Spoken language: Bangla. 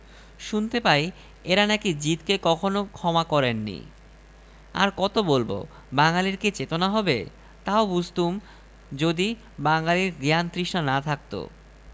জাহাজের টাইপ করা একশ লাইন দৈনিক কাগজে সেটা সাড়ম্বরে প্রকাশ করেছিল অপমানিত লেখকরা ডবল তিন ডবল দামে আপন আপন বই